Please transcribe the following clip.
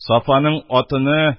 Сафаның атыны